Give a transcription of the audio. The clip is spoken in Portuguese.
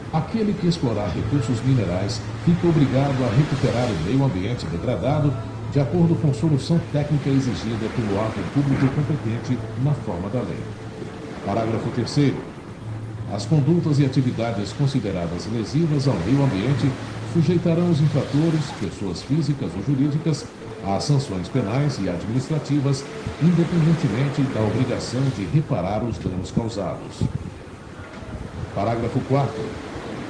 aquele que explorar recursos minerais fica obrigado a recuperar o meio ambiente degradado de acordo com solução técnica exigida pelo órgão público competente na forma da lei parágrafo terceiro as condutas e atividades consideradas lesivas ao meio ambiente sujeitarão os infratores pessoas físicas ou jurídicas a sanções penais e administrativas independentemente da obrigação de reparar os danos causados parágrafo quarto